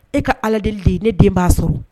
E ka allah deeli de ye ne den b'a sɔrɔ!